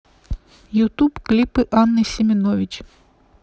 ютуб клипы анны семенович